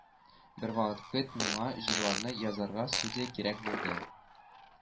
Бервакыт миңа җырларны язарга студия кирәк булды